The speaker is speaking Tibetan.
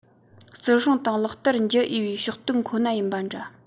བརྩི སྲུང དང ལག བསྟར བགྱི འོས པའི ཕྱོགས སྟོན ཁོ ན ཡིན པ འདྲ